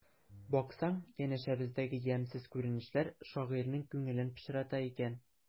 Баксаң, янәшәбездәге ямьсез күренешләр шагыйрьнең күңелен пычрата икән.